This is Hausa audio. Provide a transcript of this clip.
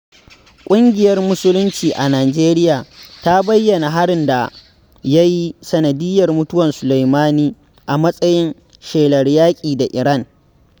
ƙungiyar Musulunci a Nijeriya ta bayyana harin da ya yi sanadiyar mutuwar Soleimani a matsayin 'shelar yaƙi da Iran'.